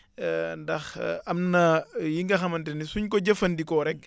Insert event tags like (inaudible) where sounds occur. (hesitation) ndax (hesitation) am na yi nga xamante ni suñ ko jëfandikoo rek